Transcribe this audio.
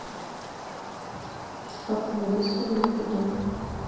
ты какую алису имел ввиду